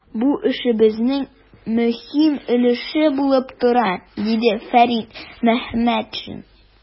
Бу эшебезнең мөһим өлеше булып тора, - диде Фәрит Мөхәммәтшин.